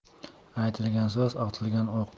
aytilgan so'z otilgan o'q